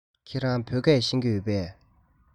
ཁྱེད རང བོད སྐད ཤེས ཀྱི ཡོད པས